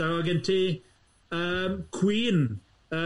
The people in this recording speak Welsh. Oedd gen ti yym Queen yym.